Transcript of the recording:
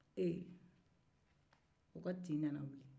ee o ka tin nana wuli